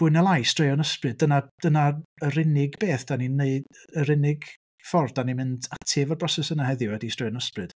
Mwy neu lai straeon ysbryd. Dyna dyna yr unig beth dan ni'n wneud, yr unig ffordd dan ni'n mynd ati efo'r broses yna heddiw ydy straeon ysbryd.